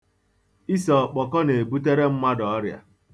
Ise ọkpọkọ na-ebute ọrịa n'ahụ mmadụ.